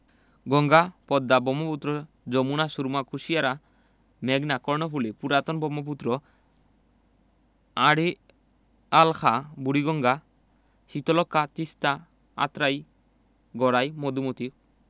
গঙ্গা পদ্মা ব্রহ্মপুত্র যমুনা সুরমা কুশিয়ারা মেঘনা কর্ণফুলি পুরাতন ব্রহ্মপুত্র আড়িয়াল খাঁ বুড়িগঙ্গা শীতলক্ষ্যা তিস্তা আত্রাই গড়াই মধুমতি